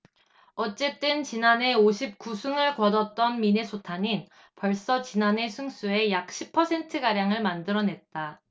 어쨌든 지난해 오십 구 승를 거뒀던 미네소타는 벌써 지난해 승수의 약 십 퍼센트가량을 만들어냈다